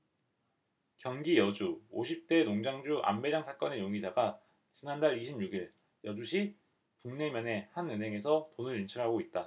경기 여주 오십 대 농장주 암매장 사건의 용의자가 지난달 이십 육 일 여주시 북내면의 한 은행에서 돈을 인출하고 있다